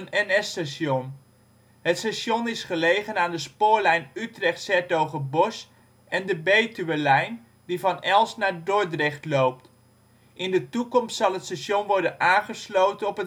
1868 een NS-station. Het station is gelegen aan de spoorlijn Utrecht -' s-Hertogenbosch en de Betuwelijn, die van Elst naar Dordrecht loopt. In de toekomst zal het station worden aangesloten op